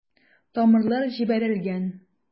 Тамырлар җибәрелгән.